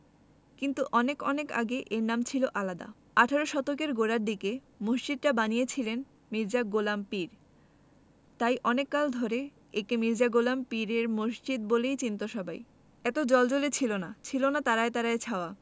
কিন্তু অনেক অনেক আগে এর নাম ছিল আলাদা আঠারো শতকের গোড়ার দিকে মসজিদটা বানিয়েছিলেন মির্জা গোলাম পীর তাই অনেক কাল ধরে একে মির্জা গোলাম পীরের মসজিদ বলেই চিনতো সবাই তখন মসজিদটা অন্যরকম ছিল এত জ্বলজ্বলে ছিল না ছিলনা তারায় তারায় ছাওয়া